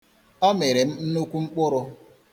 Ọ mịrị nnukwu mkpụrụ.